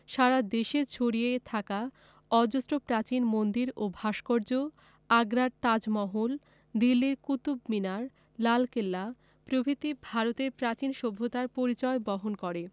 সারা দেশে ছড়িয়ে থাকা অজস্র প্রাচীন মন্দির ও ভাস্কর্য আগ্রার তাজমহল দিল্লির কুতুব মিনার লালকেল্লা প্রভৃতি ভারতের প্রাচীন সভ্যতার পরিচয় বহন করে